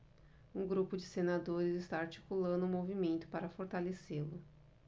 um grupo de senadores está articulando um movimento para fortalecê-lo